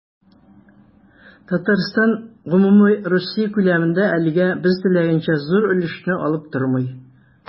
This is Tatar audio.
Татарстан гомумроссия күләмендә, әлегә без теләгәнчә, зур өлешне алып тормый.